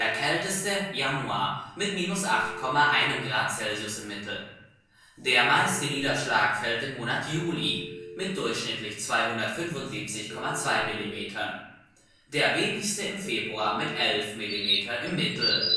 kälteste Januar mit −8,1 Grad Celsius im Mittel. Der meiste Niederschlag fällt im Monat Juli mit durchschnittlich 275,2 Millimeter, der wenigste im Februar mit 11,0 Millimeter im Mittel